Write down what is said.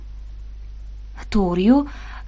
to'g'ri yu